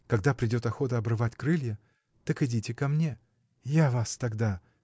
Когда придет охота обрывать крылья, так идите ко мне: я вас тогда!.